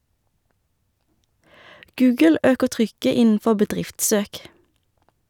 Google øker trykket innenfor bedriftssøk.